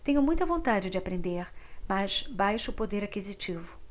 tenho muita vontade de aprender mas baixo poder aquisitivo